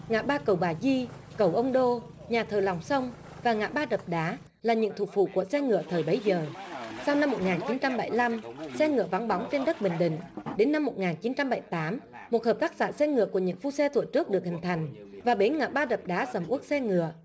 ngã ba cầu bà di cầu ông đô nhà thờ lòng sông và ngã ba đập đá là những thủ phủ của xe ngựa thời bấy giờ sau năm một ngàn chín trăm bảy lăm xe ngựa vắng bóng trên đất bình định đến năm một ngàn chín trăm bảy tám một hợp tác xã xe ngựa của những phu xe tổ chức được hình thành và bến ngã ba đập đá sầm uất xe ngựa